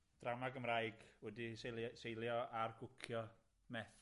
drama Gymraeg wedi 'i seili- seilio ar gwcio meth.